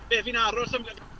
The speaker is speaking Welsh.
Ie, fi'n aros amda-